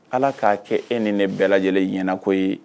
Ala k'a kɛ e ni ne bɛɛ lajɛlen ɲɛnako ye